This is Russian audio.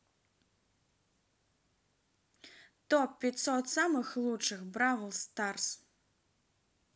топ пятьсот самых лучших бравл старс